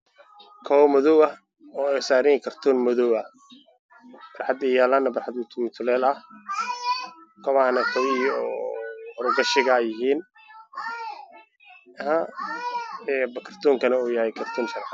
Maxkamadow oo saaran kartoon madow ah barxadda yaallaan waa barxad mutalee ah